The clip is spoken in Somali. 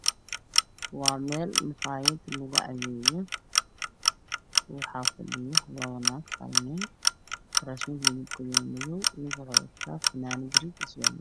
Waa meel maqaayad ah oo lagu qadeeyo waxaa fadhiya laba nin iyo hal naag ninka wuxu wataa sarwaal jalac shatigable